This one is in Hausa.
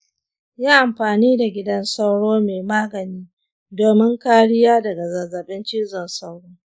yi amfani da gidan sauro mai magani domin kariya daga zazzabin cizon sauro.